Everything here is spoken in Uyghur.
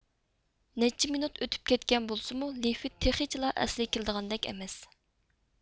نەچچە مىنۇت ئۆتۈپ كەتكەن بولسىمۇ لىفت تېخىچىلا ئەسلىگە كېلىدىغاندەك ئەمەس